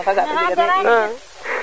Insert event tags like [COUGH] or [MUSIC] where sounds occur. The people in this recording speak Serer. [UNINTELLIGIBLE] a gara nga ne fasaɓa jega me i